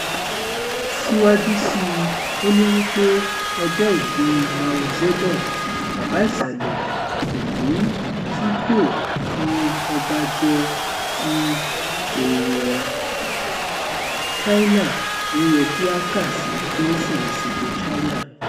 Síwájú sí i, ó ní wípé ọjọ́ ìbíi Mao Zedong, bàbá ìsàlẹ̀ Ìlú-tí-kò-fi-ọba-jẹ ti Èèyàn-an China, ni ó yẹ kí a kà sí Kérésìmesì ìlú China: